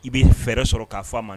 I bɛ fɛɛrɛ sɔrɔ k'a fɔ a ma